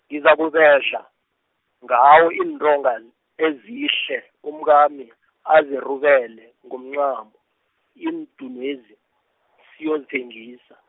ngizakubedlha, ngawo iintonga ezihle, umkami , azirubele ngomncamo, iindunwezi, siyozithengisa.